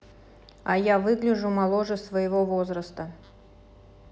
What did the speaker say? а я выгляжу моложе своего возраста